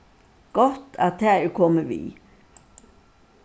gott at tað er komið við